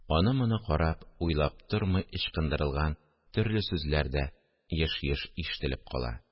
Аны-моны карап, уйлап тормый ычкындырылган төрле сүзләр дә еш-еш ишетелеп кала